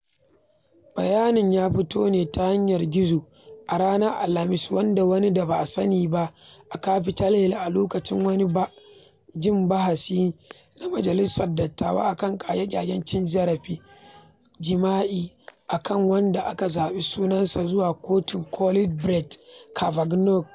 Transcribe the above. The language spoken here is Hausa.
Bayanin ya fito ne ta yanar gizo a ranar Alhamis, wanda wani da ba a sani ba a Capitol Hill a lokacin wani jin bahasi na Majalisar Dattawan a kan ƙage-ƙagen cin zarafin jima'i a kan wanda aka zaɓi sunan nasa zuwa Kotun Kolin Brett Kavanaugh.